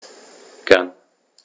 Gern.